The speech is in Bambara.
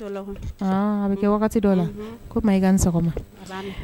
Dɔw la koyi aaan a be kɛ wagati dɔw la unhun ko Maiga ni sɔgɔma a b'a mɛ